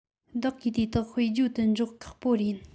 བདག གིས དེ དག དཔེར བརྗོད དུ འཇོག ཁག པོ ཡིན